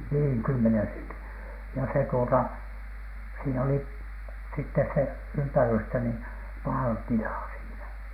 niin kymmenen sentin ja se tuota siinä oli sitten se ympärystä niin päälle tilaa siinä